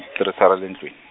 tirhisa ra le ndlwini.